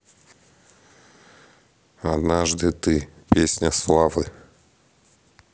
однажды ты песня славы